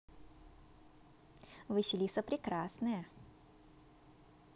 василиса прекрасная